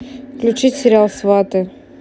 включить сериал сваты